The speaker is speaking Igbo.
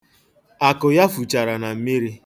Akụ ya fụchara na mmiri.